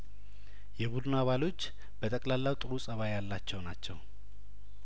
የቡድኑ አባሎች በጠቅላላው ጥሩ ጸባይ ያላቸው ናቸው